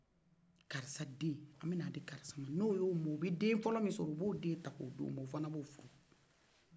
karisa den an bɛ n'a di karisa den man n'o yo mɛ o fɔnɔ bɛ den fɔlɔ min sɔrɔ o b'o ta ka di o man o fɔnɔ b'u furu la